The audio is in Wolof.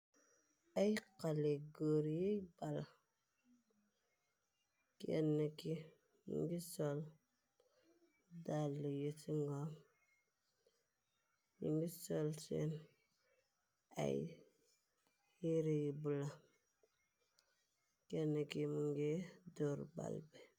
Ay xale goor yiy bala, kenn ki ngi sol dall yi ci ngom, yi ngi sol seen ay yire yi bulo, kenn ki mu ngir dor bal bi.